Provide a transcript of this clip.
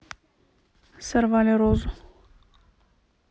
сорвали розу